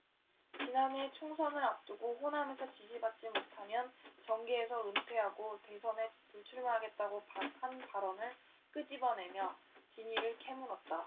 지난해 총선을 앞두고 호남에서 지지받지 못하면 정계에서 은퇴하고 대선에 불출마하겠다고 한 발언을 끄집어내며 진위를 캐물었다